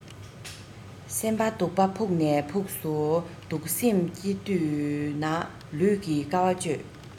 སེམས པ སྡུག པ ཕུགས ནས ཕུགས སུ སྡུག སེམས སྐྱིད འདོད ན ལུས ཀྱིས དཀའ བ སྤྱོད